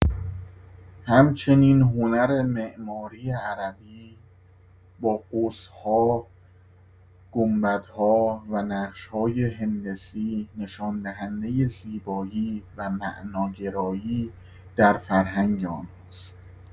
همچنین هنر معماری عربی با قوس‌ها، گنبدها و نقش‌های هندسی، نشان‌دهنده زیبایی و معناگرایی در فرهنگ آنهاست.